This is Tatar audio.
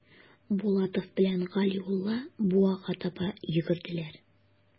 Булатов белән Галиулла буага таба йөгерделәр.